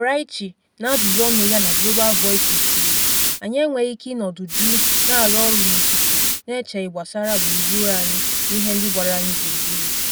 Koraichi n'ajụjụọnụ ya na Global Voices kwuru, "Anyị enweghị ike ịnọdụ jụ na-arụ ọrụ n'ufufo n'echeghị gbasara gburugburu anyị na ihe ndị gbara anyị gburugburu."